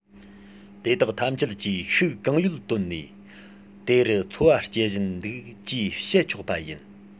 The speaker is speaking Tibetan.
དེ དག ཐམས ཅད ཀྱིས ཤུགས གང ཡོད བཏོན ནས དེ རུ འཚོ བ སྐྱེལ བཞིན འདུག ཅེས བཤད ཆོག པ ཡིན